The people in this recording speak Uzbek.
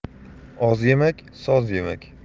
oz yemak soz yemak